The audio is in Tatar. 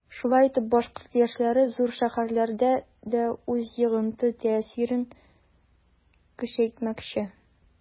Шулай итеп башкорт яшьләре зур шәһәрләрдә дә үз йогынты-тәэсирен көчәйтмәкче.